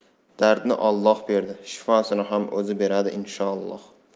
dardni olloh berdi shifosini ham o'zi beradi inshoolloh